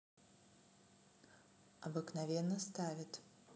обыкновенно ставят